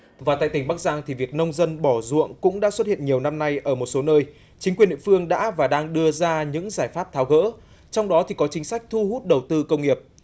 và tại tỉnh bắc giang thì việc nông dân bỏ ruộng cũng đã xuất hiện nhiều năm nay ở một số nơi chính quyền địa phương đã và đang đưa ra những giải pháp tháo gỡ trong đó thì có chính sách thu hút đầu tư công nghiệp